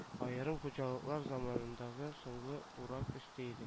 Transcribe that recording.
Аерым хуҗалыклар заманындагы соңгы урак өсти